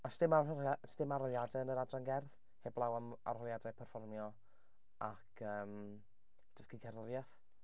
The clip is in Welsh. A sdim arhola- sdim arholiadau yn yr adran gerdd, heblaw am arholiadau perfformio ac yym dysgu cerddoriaeth.